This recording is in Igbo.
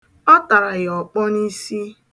Ọ tara ya ọkpọ n'isi.